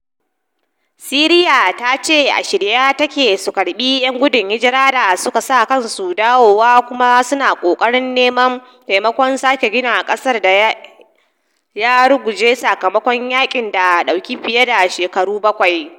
Siriya tace ashirye take su karbi yan gudun hijira da suka sa kansu dawowa kuma su na rokon neman taimakon sake gina kasar da ya ruguje sakamakon yakin da dauki fiye da shekara bakwai.